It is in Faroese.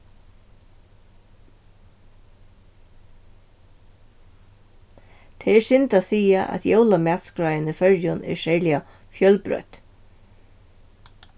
tað er synd at siga at jólamatskráin í føroyum er serliga fjølbroytt